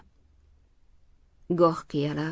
goh qiyalab